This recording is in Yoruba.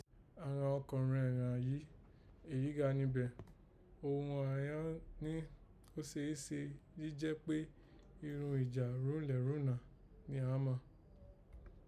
Àghan ọkọ̀nrẹn ghàn yìí, èyí gha nibé, ohun àán gha ni, ó seé se jí jẹ́ kpé irun ìjà runlérunná ni àán mà